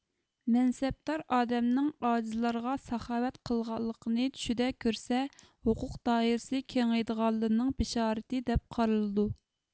مەنسەپدار ئادەمنىڭ ئاجىزلارغا ساخاۋەت قىلغانلىقىنى چۈشىدە كۆرسە ھوقوق دائىرىسى كېڭيىدىغانلىنىڭ بىشارىتى دەپ قارىلىدۇ